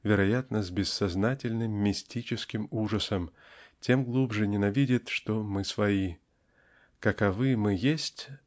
вероятно с бессознательным мистическим ужасом тем глубже ненавидит что мы свои. Каковы мы есть